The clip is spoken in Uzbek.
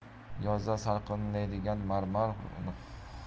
yozda salqinlaydigan marmar